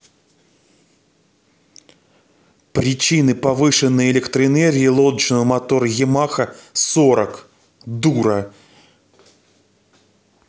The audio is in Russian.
причины повышенной электроэнергии лодочного мотора ямаха сорок дура